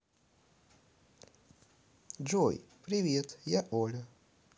джой привет я оля